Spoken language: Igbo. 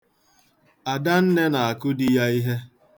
Adanne na-akụ di ya ihe.